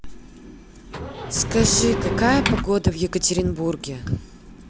скажи какая погода в екатеринбурге